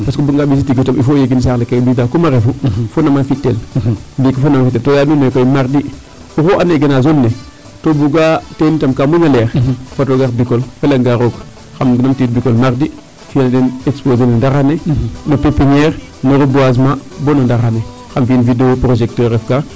Parce que o buganga ɓisiid tig tam il faut o yegin saax le kee o ɓisiida kum a refu fo nam a fi'teel Mardi oxuu andoona yee gena zone le to bugaa teen itam kaa moƴna leer fat o gar Bicole. A felanga roog xam numtuwiid Bicole Mardi fi'an a den exposer ne ndaxar ne no pépiniere no reboisement bo no ndaxar ne xam fi'in video projecteur :fras a refka.